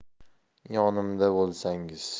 yonimda bo'lsangiz